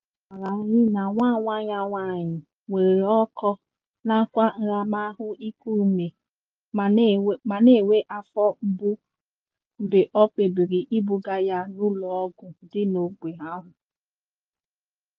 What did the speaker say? Moahi gwara anyị na nwa nwa ya nwaanyị nwere ọkọ nakwa nramahụ iku ume ma na-enwe afọ mgbu mgbe o kpebiri ibuga ya n'ụlọọgwụ dị n'ógbè ahụ.